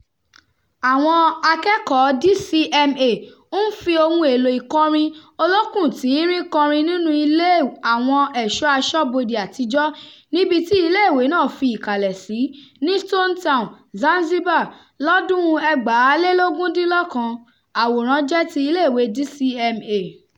Àwọn akẹ́kọ̀ọ́ọ DCMA ń fi ohun èlò ìkọrin olókùn tín-ín-rín kọrin nínú Ilé Àwọn Ẹ̀ṣọ́ Aṣọ́bodè Àtijọ́, níbití iiléèwé náà fi ìkàlẹ̀ sí, ní Stone Town, Zanzibar, lọ́dún-un 2019. Àwòrán jẹ́ ti iléèwée DCMA.